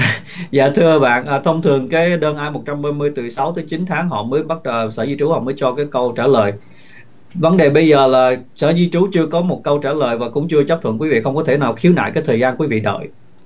dạ thưa bạn thông thường cái đơn a một trăm ba mươi từ sáu tới chín tháng họ mới bắt đầu sở di trú mới cho các câu trả lời vấn đề bây giờ là sở di trú chưa có một câu trả lời và cũng chưa chấp thuận quý vị không thể nào khiếu nại cái thời gian quý vị đội